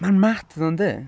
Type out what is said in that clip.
Mae'n mad though yndi?